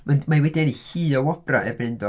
M- mae hi wedi ennill llu o wobrau erbyn hyn do?